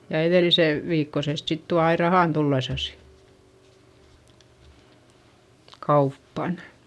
ja - edellisen viikkoisesta sitten tuo aina rahan tullessaan kauppaan